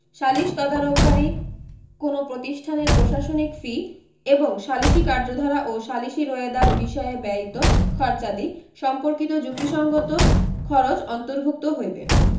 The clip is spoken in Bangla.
সালিস তদারককারী কোন প্রতিষ্ঠানের প্রশাসনিক ফি এবং সালিসী কার্যধারা ও সালিসী রোয়েদাদ বিষয়ে ব্যয়িত খরচাদি সম্পর্কিত যুক্তিসংগত খরচ অন্তর্ভুক্ত হইবে